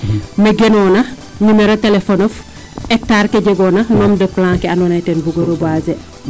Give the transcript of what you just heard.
me genoona numero telephone of hectare ke jegoona fo nombre de plan ke andoona ye ten bugo reboiser.